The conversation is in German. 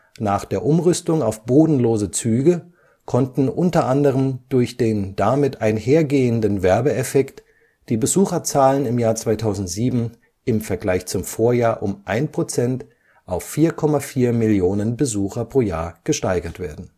Nach der Umrüstung auf bodenlose Züge konnten unter anderem durch den damit einhergehenden Werbeeffekt die Besucherzahlen 2007 im Vergleich zum Vorjahr um 1 % auf 4,4 Millionen Besucher pro Jahr gesteigert werden